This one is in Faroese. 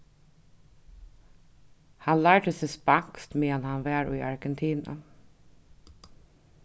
hann lærdi seg spanskt meðan hann var í argentina